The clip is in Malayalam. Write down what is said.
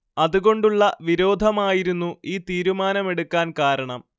അതുകൊണ്ടുള്ള വിരോധമായിരുന്നു ഈ തീരുമാനമെടുക്കാൻ കാരണം